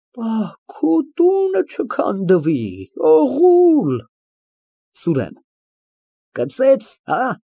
Փահ, քո տունը չքանդվի, օղուլ… ՍՈՒՐԵՆ ֊ Կծեց, հա՞։